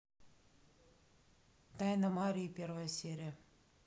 тайна марии первая серия